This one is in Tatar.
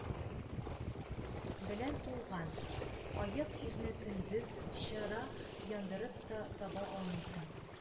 Белән тулган, аек ирне көндез чыра яндырып та таба алмыйсың